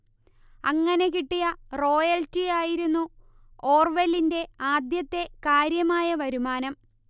അങ്ങനെ കിട്ടിയ റോയൽറ്റി ആയിരുന്നു ഓർവെലിന്റെ ആദ്യത്തെ കാര്യമായ വരുമാനം